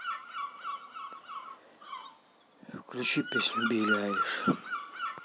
включи песню билли айлиш